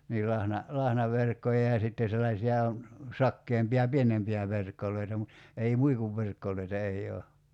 niin - lahnaverkkoja ja sitten sellaisia sakeampia pienempiä verkkoja mutta ei muikunverkkoja ei ole